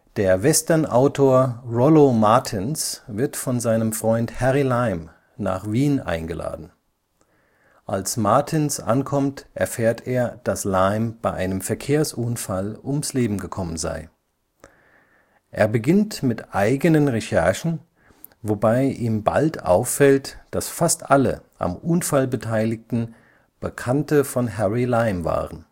Der Westernautor Rollo Martins wird von seinem Freund Harry Lime nach Wien eingeladen. Als Martins ankommt, erfährt er, dass Lime bei einem Verkehrsunfall ums Leben gekommen sei. Er beginnt mit eigenen Recherchen, wobei ihm bald auffällt, dass fast alle am Unfall Beteiligten Bekannte von Harry Lime waren